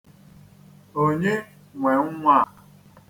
Onye nwe nnwa a?